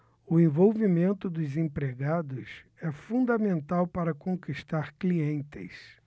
o envolvimento dos empregados é fundamental para conquistar clientes